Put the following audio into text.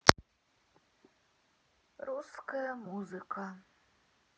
русская музыка